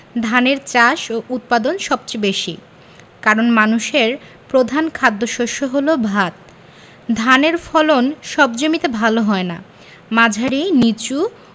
ধানের চাষ ও উৎপাদন সবচেয়ে বেশি কারন মানুষের প্রধান খাদ্যশস্য হলো ভাত ধানের ফলন সব জমিতে ভালো হয় না মাঝারি নিচু